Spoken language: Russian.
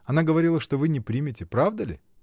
Она говорила, что вы не примете. Правда ли?